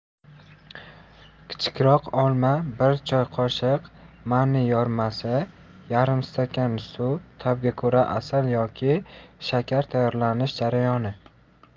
kichikroq olmabir choy qoshiq manniy yormasiyarim stakan suvta'bga ko'ra asal yoki shakartayyorlanish jarayoni